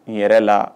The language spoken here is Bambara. N yɛrɛ la